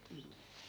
mm